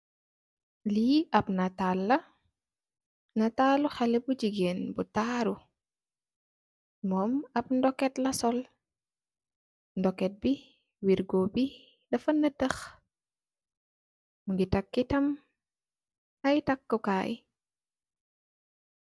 Li ap netal la netali xale bu jigeen bu taru momm ap nduket la sol nduket bi wergo bi dafa neteah mogi taki tam ay takukai.